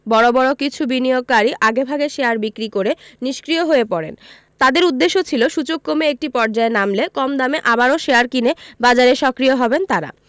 বড় বড় কিছু বিনিয়োগকারী আগেভাগে শেয়ার বিক্রি করে নিষ্ক্রিয় হয়ে পড়েন তাঁদের উদ্দেশ্য ছিল সূচক কমে একটি পর্যায়ে নামলে কম দামে আবারও শেয়ার কিনে বাজারে সক্রিয় হবেন তাঁরা